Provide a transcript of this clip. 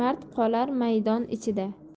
mard qolar maydon ichida